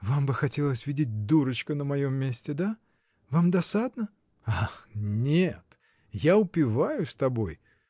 Вам бы хотелось видеть дурочку на моем месте — да? Вам досадно?. — Ах, нет — я упиваюсь тобой.